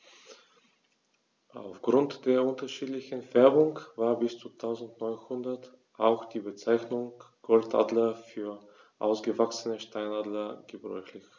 Auf Grund der unterschiedlichen Färbung war bis ca. 1900 auch die Bezeichnung Goldadler für ausgewachsene Steinadler gebräuchlich.